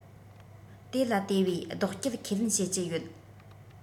དེ ལ དེ བས ལྡོག སྐྱེལ ཁས ལེན བྱེད ཀྱི ཡོད